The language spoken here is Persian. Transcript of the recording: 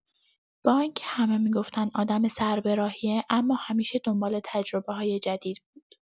با اینکه همه می‌گفتن آدم سربراهیه، اما همیشه دنبال تجربه‌های جدید بود.